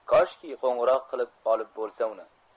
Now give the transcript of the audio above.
koshki qo'ng'iroq qilib olib bo'isa uni